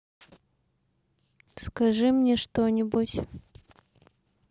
скажи мне что нибудь